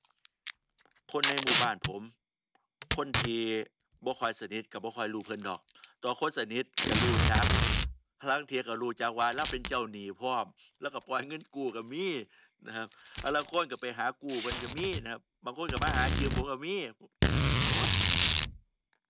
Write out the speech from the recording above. คนในหมู่บ้านผมคนที่บ่ค่อยสนิทก็บ่ค่อยรู้เพิ่นดอก แต่ว่าคนสนิทก็รู้จัก ห่าลางเที่ยก็รู้จักว่าเลาเป็นเจ้าหนี้พร้อมเลาก็ปล่อยเงินกู้ก็มีนะครับ ห่าลางคนก็ไปหากู้เพิ่นก็มีนะครับบางคนก็มาหายืมผมก็มี โอ๊ย